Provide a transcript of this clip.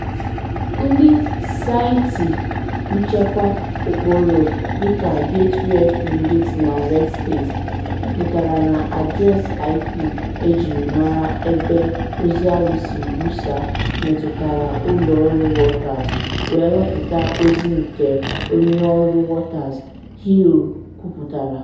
Ndị saịtị nchekwa ụkpụrụ dịka Gateway Pundit na Redstate kwuputara na adreesị IP ejiri mara ebe ozi ahụ siri busa metụtara ụlọ ọrụ Waters, wee wepụta ozi nke onye ọrụ Waters, Hill kwuputara.